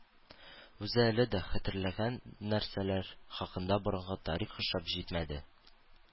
Үзе әле дә хәтерләгән нәрсәләр хакында борынгы тарих ошап җитмәде